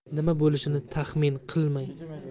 nima bo'lishini taxmin qilmang